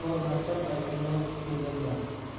bor maktab paytimda o'qib ko'rganman